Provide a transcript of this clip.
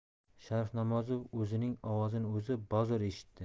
sharif namozov o'zining ovozini o'zi bazo'r eshitdi